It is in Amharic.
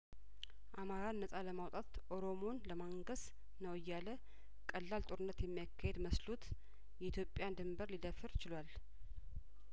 አማራን ነጻ ለማውጣት ኦሮሞን ለማንገስ ነው እያለቀላል ጦርነት የሚያካኂድ መስሎት የኢትዮጵያን ድንበር ሊደፍርችሏል